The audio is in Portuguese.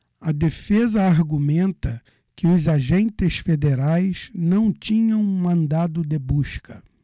a defesa argumenta que os agentes federais não tinham mandado de busca